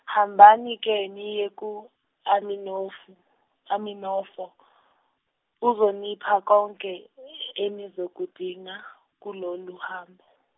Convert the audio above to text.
hambani ke niye ku Aminofi, Aminofo, uzonipha konke enizokudinga, kulolu hambo.